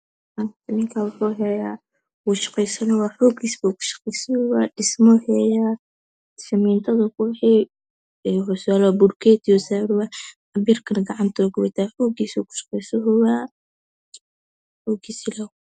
Ninkaan waxuu haya wuu shaqee zanoyaa xoogiisa ku shaqezanoyaa dhismuu heyaa shameedada qurxiye pulkeeti yuu zarayaa pir kale gacntuu ku wataa xogiisoo ku shaqeesanayaa